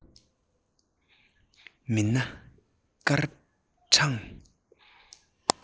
མིན ན སྐར གྲངས